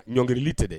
Ɲɔngrili tɛ dɛ